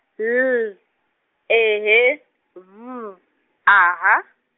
L E E B A A.